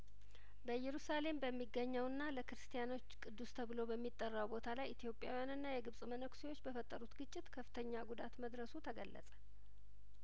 በእየሩሳሌም በሚገኘውና ለክርስቲያኖች ቅዱስ ተብሎ በሚጠራው ቦታ ላይ ኢትዮጵያዊያንና የግብጽ መነኩሴዎች በፈጠሩት ግጭት ከፍተኛ ጉዳት መድረሱ ተገለጸ